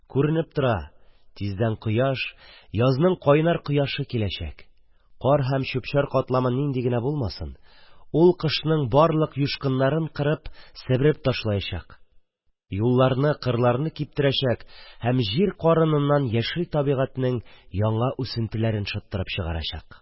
Тиздән кояш, язның кайнар кояшы киләчәк; кар һәм чүп-чар катламы нинди генә булмасын, ул кышның барлык юшкыннарын кырып-себереп ташлаячак, юлларны, кырларны киптерәчәк, һәм җир карыныннан яшь тәбигатьнең яңа үсентеләре шыттырып чыгачак.